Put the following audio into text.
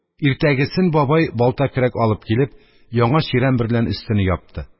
Иртәгесен бабай балта-көрәк алып килеп, яңа чирәм берлән өстене япты.